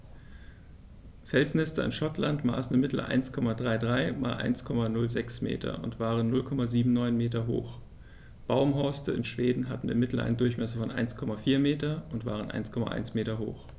Felsnester in Schottland maßen im Mittel 1,33 m x 1,06 m und waren 0,79 m hoch, Baumhorste in Schweden hatten im Mittel einen Durchmesser von 1,4 m und waren 1,1 m hoch.